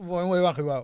waaw mooy wànq bi waaw